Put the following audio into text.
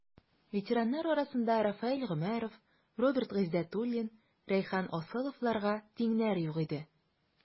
Ветераннар арасында Рафаэль Гомәров, Роберт Гыйздәтуллин, Рәйхан Асыловларга тиңнәр юк иде.